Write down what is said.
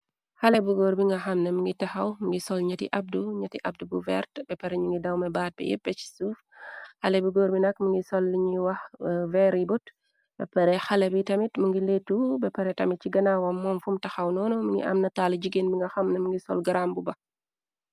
Xale bi góor bi nga xamna mingi taxaw mingi sol ñati abdu. Nati abdu bu vert beppare ñu ngi dawme baat be yépp ci suuf. Xale bi góor bi nak mingi sol liñuy wax very but béppare. Xalé bi tamit mingi leetu béppare tamit ci gënawam moon fum taxaw noonu. Mingi am na taali jigéen bi nga xamna mingi sol gram bu ba.